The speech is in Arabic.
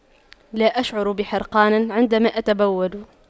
لا أشعر بحرقان عندما أتبول